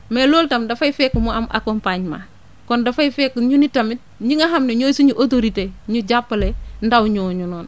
mais loolu tam dafay fekk mu am accompagnement kon dafay fekk ñun itamit ñi nga xam ne ñooy suñu autorité ñu jàppale ndaw ñooñu noonu